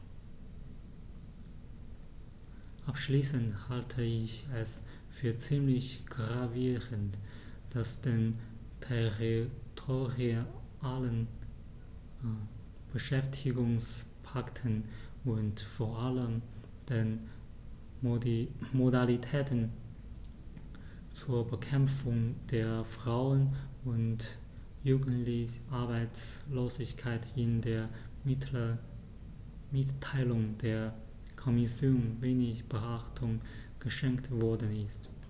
Abschließend halte ich es für ziemlich gravierend, dass den territorialen Beschäftigungspakten und vor allem den Modalitäten zur Bekämpfung der Frauen- und Jugendarbeitslosigkeit in der Mitteilung der Kommission wenig Beachtung geschenkt worden ist.